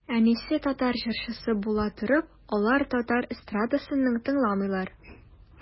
Әнисе татар җырчысы була торып, алар татар эстрадасын тыңламыйлар.